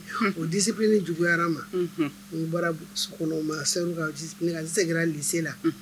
O disi ni juguyayara ma n bɔra kolonlɔnma se seginna lese la